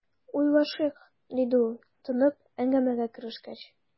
"уйлашыйк", - диде ул, тынып, әңгәмәгә керешкәч.